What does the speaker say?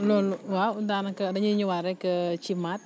loolu la waaw daanaka dañuy ñëwaat rek ci Mate